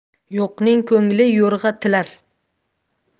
yo'qning ko'ngli yo'rg'a tilar